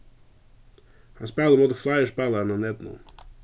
hann spælir ímóti fleiri spælarum á netinum